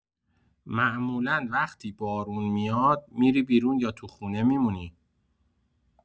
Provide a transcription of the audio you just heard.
معمولا وقتی بارون میاد می‌ری بیرون یا تو خونه می‌مونی؟